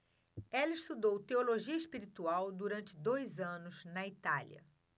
ela estudou teologia espiritual durante dois anos na itália